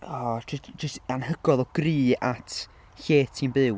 oo j- j- jyst anhygoel o gry at lle ti'n byw.